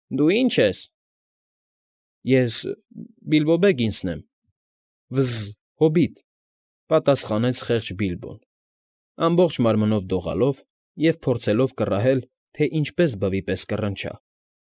Դու ի՞նչ ես։ ֊ Ե՞ս… Բիլբո Բեգինսն եմ, վզզ֊հոբիտ,֊ պատասխանեց խեղճ Բիլբոն, ամբողջ մարմնով դողալով և փորձելով կռահել, թե ինչպես բվի պես կռնչա,